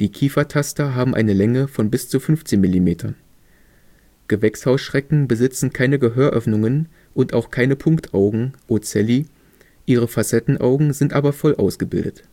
Kiefertaster haben eine Länge von bis zu 15 Millimeter. Gewächshausschrecken besitzen keine Gehöröffnungen und auch keine Punktaugen (Ocelli), ihre Facettenaugen sind aber voll ausgebildet